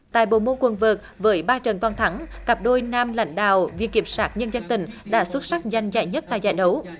tại bộ môn quần vợt với ba trận toàn thắng cặp đôi nam lãnh đạo viện kiểm sát nhân dân tỉnh đã xuất sắc giành giải nhất tại giải đấu